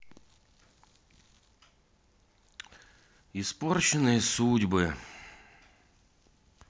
испорченные судьбы